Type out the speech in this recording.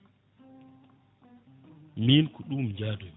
min ko ɗum jaadumi